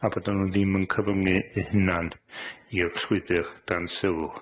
a bod y nw ddim yn cyfyngu 'u hunan i'r llwybyr dan sylw.